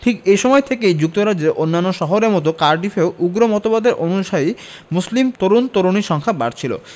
ঠিক এই সময় থেকেই যুক্তরাজ্যের অন্যান্য শহরের মতো কার্ডিফেও উগ্র মতবাদের অনুসারী মুসলিম তরুণ তরুণীর সংখ্যা বাড়ছিল